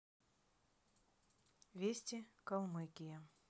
вести калмыкия